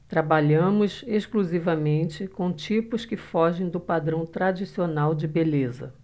trabalhamos exclusivamente com tipos que fogem do padrão tradicional de beleza